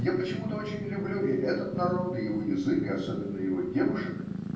Я почему-то очень люблю и этот народ, и его язык, и особенно его девушек.